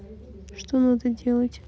что надо делать